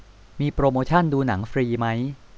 มีโปรโมชันดูหนังฟรีมั้ย